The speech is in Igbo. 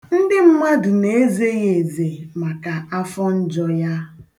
Ndị mmadụ na-eze ya eze maka afọ njọ ya.